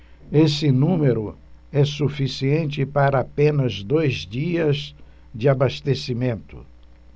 esse número é suficiente para apenas dois dias de abastecimento